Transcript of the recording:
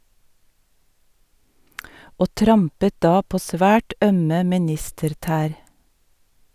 Og trampet da på svært ømme ministertær.